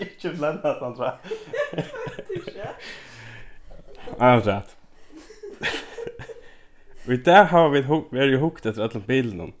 ikki flenna sandra einaferð afturat í dag hava vit verið og hugt eftir øllum bilunum